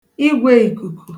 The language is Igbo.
igwēìkùkù